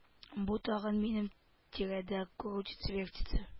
Бу тагын минем тирәдә крутится-вертится